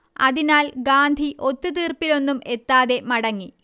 അതിനാൽ ഗാന്ധി ഒത്തുതീർപ്പിലൊന്നും എത്താതെ മടങ്ങി